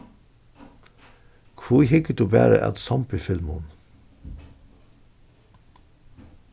hví hyggur tú bara at zombiefilmum